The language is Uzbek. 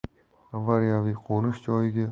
avariyaviy qo'nish joyiga